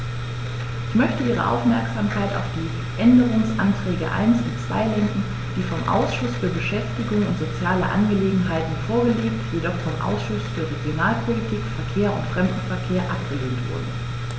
Ich möchte Ihre Aufmerksamkeit auf die Änderungsanträge 1 und 2 lenken, die vom Ausschuss für Beschäftigung und soziale Angelegenheiten vorgelegt, jedoch vom Ausschuss für Regionalpolitik, Verkehr und Fremdenverkehr abgelehnt wurden.